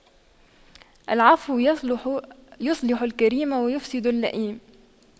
العفو يصلح الكريم ويفسد اللئيم